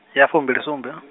ya fumbilisumbe.